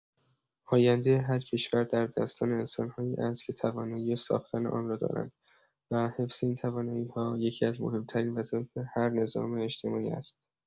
آینده هر کشور در دستان انسان‌هایی است که توانایی ساختن آن را دارند و حفظ این توانایی‌ها یکی‌از مهم‌ترین وظایف هر نظام اجتماعی است.